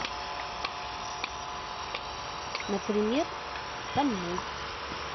например со мной